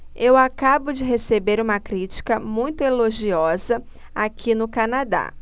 eu acabo de receber uma crítica muito elogiosa aqui no canadá